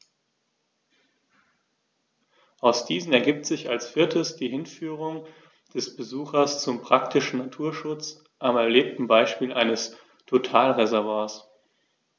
Aus diesen ergibt sich als viertes die Hinführung des Besuchers zum praktischen Naturschutz am erlebten Beispiel eines Totalreservats.